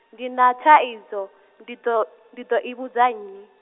ndi na thaidzo ndi ḓo, ndi ḓo i vhudza nnyi?